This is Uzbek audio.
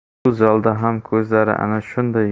shu zalda ham ko'zlari ana shunday